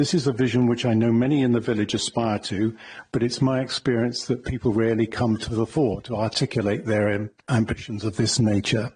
This is a vision which I know many in the village aspire to, but it's my experience that people rarely come to the fore to articulate their amb- ambitions of this nature.